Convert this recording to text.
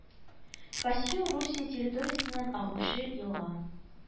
Косъю Русия территориясеннән агучы елга